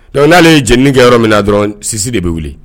Dɔnku n'ale ye jenikɛ yɔrɔ min na dɔrɔn sisi de bɛ wuli